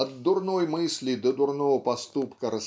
от дурной мысли до дурного поступка